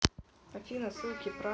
афина ссылки про